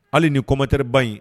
Hali ni kɔnmmatɛre ba in